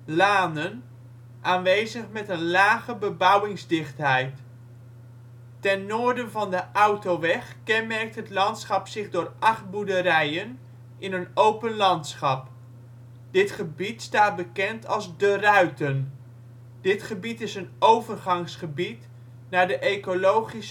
lanen) aanwezig met een lage bebouwingsdichtheid. Ten noorden van de autoweg kenmerkt het landschap zich door 8 boerderijen in een open landschap. Dit gebied staat bekend als " De Ruiten ". Dit gebied is een overgangsgebied naar de ecologisch